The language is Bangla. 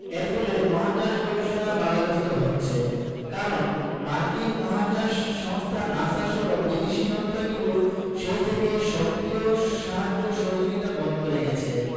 এর ফলে মহাকাশ গবেষণা বাধাগ্রস্ত হচ্ছে কারণ মার্কিন মহাকাশ সংস্থা নাসা সহ বিদেশি সংস্থাগুলো সেই থেকে সক্রিয় সাহায্য সহযোগিতা বন্ধ রেখেছে